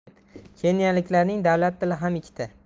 keniyaliklarning davlat tili ham ikkita